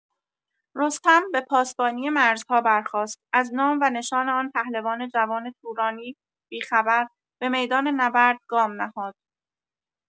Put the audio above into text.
رستم، به پاسبانی مرزها برخاست، از نام و نشان آن پهلوان جوان تورانی بی‌خبر، به میدان نبرد گام نهاد.